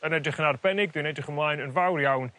yn edrych yn arbennig dwi'n edrych ymlaen yn fawr iawn